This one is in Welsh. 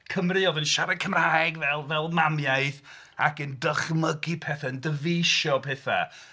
Cymry oedd yn siarad Cymraeg fel fel mamiaith ac yn dychmygu pethau, yn dyfeisio pethau.